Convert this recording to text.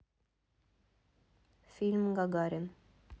фильм гагарин